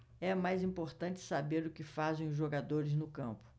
é mais importante saber o que fazem os jogadores no campo